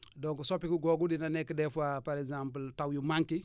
donc soppiku googu dina nekk des fois par exemple taw yu manqué